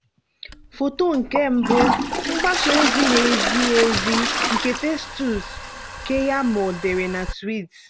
Foto nke 1: Mgbasa ozi na-ezighi ezi nke Festus Keyamo dere na tweet